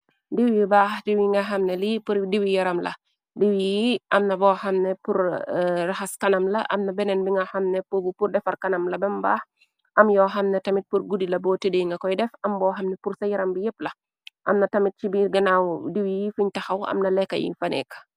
Diw yi baax diw yi nga xamne li diwi yaram la diw yi. Amna bo xamne pur raxas kanam la. Amna benneen bi nga xamne pobu pur defar kanam la bembaax. Am yoo xamne tamit pur guddi la boo tedee nga koy def. Am boo xamne pur sa yaram bi yépp la. Amna tamit ci biir ganaaw diw yi fiñtaxaw amna lekka yi faneeka.